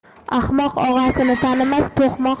ahmoq og'asini tanimas